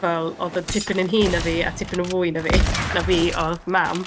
Fel, oedd yn tipyn yn hŷn na fi, a tipyn yn fwy na fi na fi, oedd Mam!